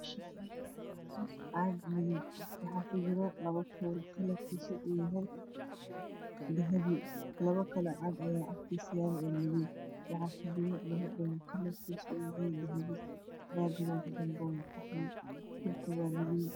Meshaani waxaa yala caag madoow waxaa ku jira laba kol midabkiisu yahay dahabi laba kale caag ayaa agtiisa yaal oo madow waxaa ku jira laba dhalo kalarkiisu yahay dahabi bagaronka dembena waa qaxwi dhuulkana waa madoow